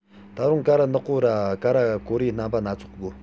ད རུང ཀ ར ནག པོ ར ཀ ར གོ རེ རྣམ པ སྣ ཚོགས དགོ